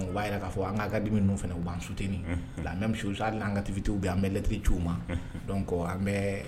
U b'a k'a fɔ an kadimi n fana u an sutinin la bɛ misi an katifitiw bɛ an bɛ lɛtci ma kɔ an bɛ